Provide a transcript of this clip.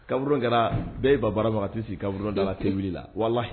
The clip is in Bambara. Kabf kɛra bɛɛ ba baara faga a tɛ sigi kabfuru dala la te la walahi